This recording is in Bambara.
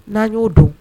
N'an y'o dɔn